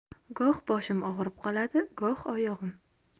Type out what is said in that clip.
goh boshim og'rib qoladi goh oyog'im